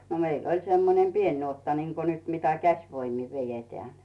no meillä oli semmoinen pieni nuotta niin kuin nyt mitä käsivoimin vedetään